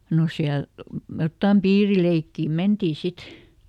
no siellä jotakin piirileikkiä mentiin sitten